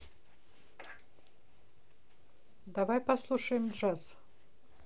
давай послушаем джаз